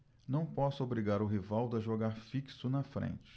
não posso obrigar o rivaldo a jogar fixo na frente